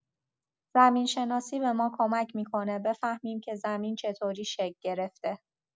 زمین‌شناسی به ما کمک می‌کنه بفهمیم که زمین چطوری شکل گرفته.